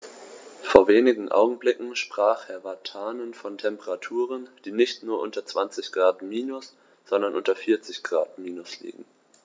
Vor wenigen Augenblicken sprach Herr Vatanen von Temperaturen, die nicht nur unter 20 Grad minus, sondern unter 40 Grad minus liegen.